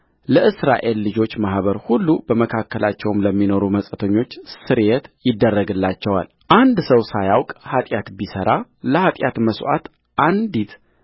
ለእስራኤል ልጆች ማኅበር ሁሉ በመካከላቸውም ለሚኖሩት መጻተኞች ስርየት ይደረግላቸዋልአንድ ሰው ሳያውቅ ኃጢአት ቢሠራ ለኃጢአት መሥዋዕት አንዲት